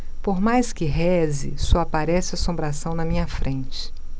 por mais que reze só aparece assombração na minha frente